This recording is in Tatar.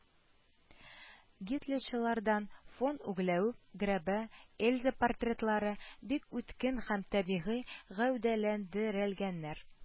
Гитлерчылардан фон Унгляуб, Грабэ, Эльза портретлары бик үткен һәм табигый гәүдәләндерелгәннәр